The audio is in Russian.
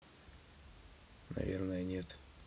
наверное нет